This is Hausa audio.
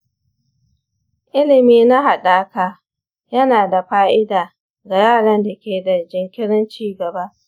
ilimi na haɗaka yana da fa'ida ga yaran da ke da jinkirin ci gaba.